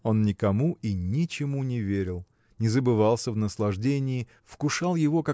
Он никому и ничему не верил, не забывался в наслаждении вкушал его